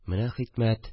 Менә хикмәт